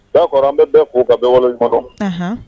Da kɔrɔ an bɛ bɛɛ ko ka bɛ wale ɲɔgɔn